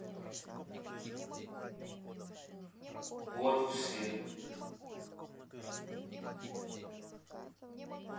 вот все